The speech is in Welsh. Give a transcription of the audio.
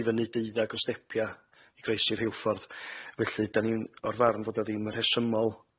i fyny deuddag o stepia' i croesi rhywffordd felly 'dan ni'n, o'r farn fod o ddim yn rhesymol,